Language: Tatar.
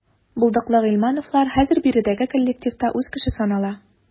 Булдыклы гыйльмановлар хәзер биредәге коллективта үз кеше санала.